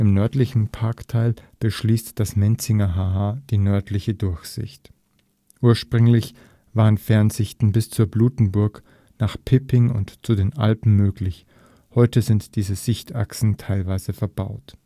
nördlichen Parkteil beschließt das Menzinger Ha-Ha die Nördliche Durchsicht. Ursprünglich waren Fernsichten bis zur Blutenburg, nach Pipping und zu den Alpen möglich. Heute sind diese Sichtachsen teilweise verbaut